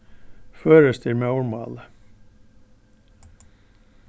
føroyskt er móðurmálið